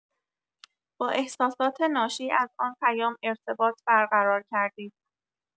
با احساسات ناشی از آن پیام ارتباط برقرار کردید.